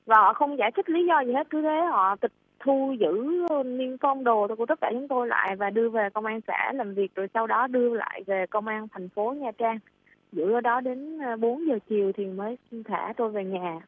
họ không giải thích lý do gì hết cứ thế họ tịch thu giữ niêm phong đồ của tất cả chúng tôi lại và đưa về công an xã làm việc rồi sau đó đưa lại về công an thành phố nha trang giữ ở đó đến bốn giờ chiều thì mới thả tôi về nhà